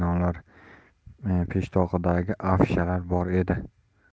baland binolar peshtoqidagi afishalar bor edi